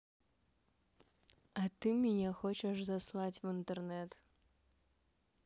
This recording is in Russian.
а ты меня хочешь заслать в интернет